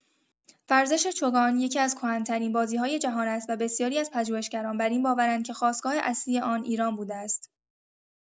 ورزش چوگان یکی‌از کهن‌ترین بازی‌های جهان است و بسیاری از پژوهشگران بر این باورند که خاستگاه اصلی آن ایران بوده است.